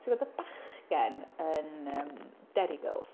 Ti'n gwbod y bachgen yn yym Derry Girls?